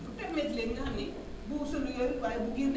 pour permettre leen nga xam ni * waaye bu génnee